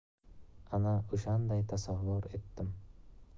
ana o'shanday tasavvur etdim